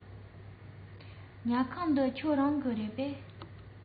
ཉལ ཁང འདི ཁྱེད རང གི རེད པས